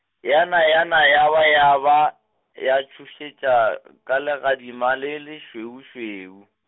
yana yana ya ba ya ba, ya tšhošetša ka legadima le lešweušweu.